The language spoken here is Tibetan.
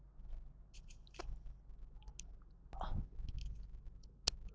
རིག པ དཔེ ཐོག